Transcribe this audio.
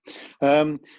Yym.